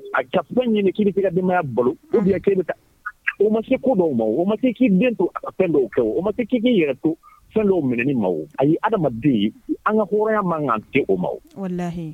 A ka fɛn ɲini k'i b'i t'i ka denbaya balo; Unhun; ou bien k'e bɛ taa,o ma se ko dɔw ma, o ma se k'i b'i den to a ka fɛn dɔw kɛ o, o ma se k'i k'i yɛrɛ to fɛn dɔw minɛlen ma o, ayi adamaden an ka hɔrɔnya man kan se o ma; Walahi.